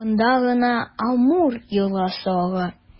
Якында гына Амур елгасы ага.